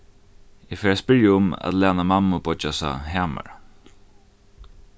eg fari at spyrja um at læna mammubeiggjasa hamara